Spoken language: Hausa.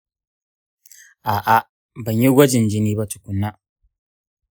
a’a, ban yi gwajin jini ba tukuna.